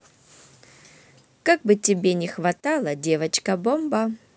как бы тебе не хватало девочка бомба